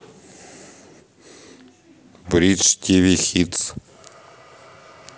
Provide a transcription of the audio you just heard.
бридж ти ви хитс